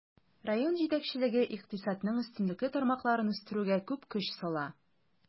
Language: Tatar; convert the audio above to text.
Район җитәкчелеге икътисадның өстенлекле тармакларын үстерүгә күп көч сала.